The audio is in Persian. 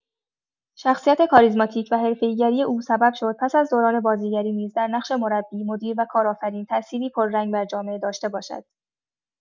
شخصیت کاریزماتیک و حرفه‌ای‌گری او سبب شد پس از دوران بازیگری نیز در نقش مربی، مدیر و کارآفرین تاثیری پررنگ بر جامعه داشته باشد.